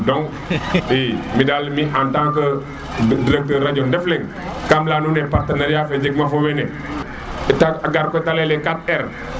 donc i mi dal en tant que directeur radio ndef leng kam leya nuune parteneriat fe jeg ma fo wiin we te te gar koy a leyel 4R